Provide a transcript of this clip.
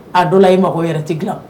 A dɔ la i mako yɛrɛ tɛ dilan